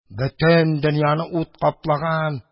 Бөтен дөньяны ут каплаган.